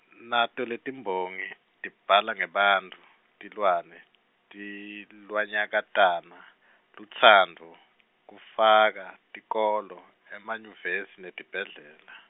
nato letiMbongi tibhala ngebantfu, tilwane, tilwanyakatane, lutsandvo, kufaka, tikolo, emanyuvesi netibhedlela.